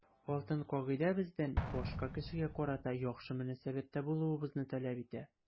Алтын кагыйдә бездән башка кешегә карата яхшы мөнәсәбәттә булуыбызны таләп итә.